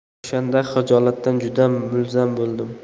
o'shanda xijolatdan juda mulzam bo'ldim